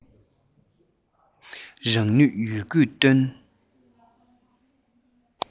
རང ནུས ཡོད རྒུ བཏོན